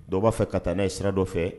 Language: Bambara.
Dɔw b'a fɛ ka taa n'a ye sira dɔ fɛ